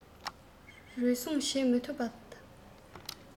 རུལ སུངས བྱེད མི ཐུབ པ